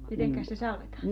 mitenkäs se salvetaan